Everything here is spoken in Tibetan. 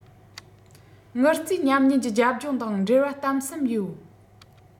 དངུལ རྩའི ཉམས ཉེན གྱི རྒྱབ ལྗོངས དང འབྲེལ བ དམ ཟབ ཡོད